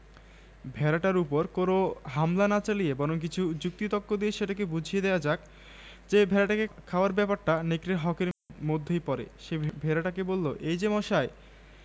ভেড়াটার উপর কোন হামলা না চালিয়ে বরং কিছু যুক্তি তক্ক দিয়ে সেটাকে বুঝিয়ে দেওয়া যাক যে ভেড়াটাকে খাওয়ার ব্যাপারটা নেকড়ের হক এর মধ্যেই পড়ে সে ভেড়াটাকে বলল এই যে মশাই